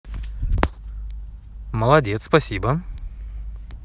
молодец спасибо